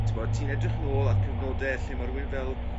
t'bod ti'n edrych nôl a'r cyfnode lle ma' rywun fel